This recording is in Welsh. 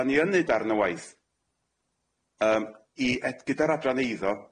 Dan ni yn neu darn o waith yym i e- gyda'r adran eiddo